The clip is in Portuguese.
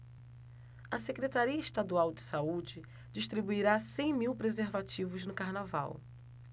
a secretaria estadual de saúde distribuirá cem mil preservativos no carnaval